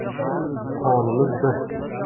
qonimiz bir